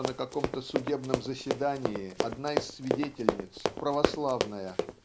что на каком-то судебном заседании одна из свидетельниц православная